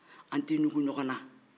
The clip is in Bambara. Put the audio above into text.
an tɛ ɲugu ɲɔgɔ na